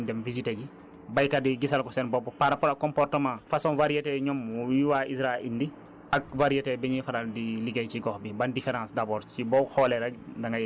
donc xam naa bu programme bi ñëwee insãllaa dinañ dem visiter ji baykat yi gisal ko seen bopp par rapport ak comportement façon variété yi ñoom yi waa ISRA indi ak variétés bi ñuy faral di liggéey ci gox bi